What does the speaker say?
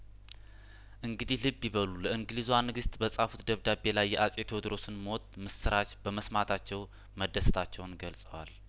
እንግዲህ ልብ ይበሉ ለእንግሊዟን ግስት በጻፉት ደብዳቤ ላይ የአጼ ቴዎድሮስን ሞት ምስራች በመስማታቸው መደሰታቸውን ገልጸዋል